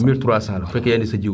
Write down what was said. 1300 la bu fekkee yaa indi sa jiwu